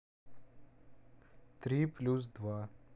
три плюс два